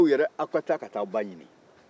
mɛ aw yɛrɛ a ka taa ka taa aw ba ɲini